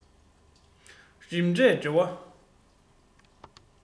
རིམ གྲས འབྲེལ བ